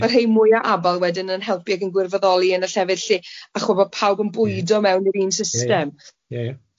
Ma' rhei mwya abal wedyn yn helpu ac yn gwirfoddoli yn y llefydd lle a chi'n gwbo pawb yn bwydo mewn i'r un system...